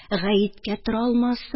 Гаеткә тора алмассың